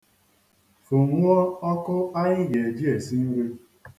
Funwuo ọkụ anyị ga-eji esi nri.